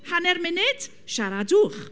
Hanner munud, siaradwch.